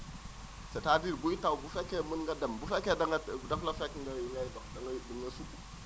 c' est à dire buy taw bu fekkee mën nga dem bu fekkee da nga daf la fekk ngay ngay dox da ngay nga sukk